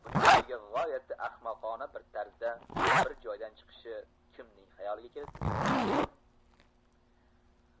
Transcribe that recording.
buning ustiga g'oyatda ahmoqona bir tarzda bir joydan chiqishi kimning hayoliga kelibdi deysiz